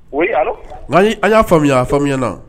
Oui, allo n kan ye a y'a a faamuya faamuyara